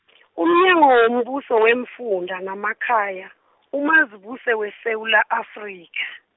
umnyango wombuso weemfunda namakhaya, uMazibuse weSewula Afrika.